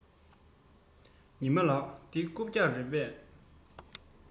ཉི མ ལགས འདི རྐུབ བཀྱག རེད པས